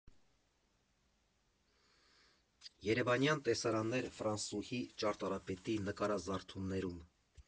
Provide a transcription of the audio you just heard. Երևանյան տեսարաններ՝ ֆրանսուհի ճարտարապետի նկարազարդումներում։